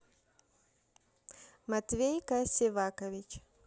matvey ка севакович